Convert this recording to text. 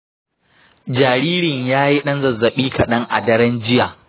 jaririn yayi ɗan zazzaɓi kaɗan a daren jiya.